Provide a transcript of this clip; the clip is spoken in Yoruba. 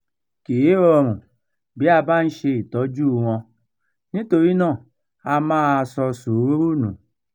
Kì í rọrùn bí a bá ń ṣe ìtọ́júu wọn, nítorí náà a máa sọ sùúrù nù.